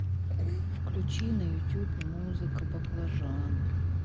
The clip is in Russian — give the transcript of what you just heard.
включи на ютубе музыка баклажан